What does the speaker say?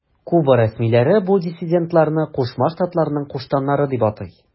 Куба рәсмиләре бу диссидентларны Кушма Штатларның куштаннары дип атый.